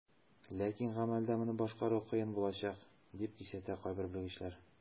Ләкин гамәлдә моны башкару кыен булачак, дип кисәтә кайбер белгечләр.